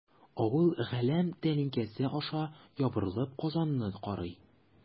Авыл галәм тәлинкәсе аша ябырылып Казанны карый.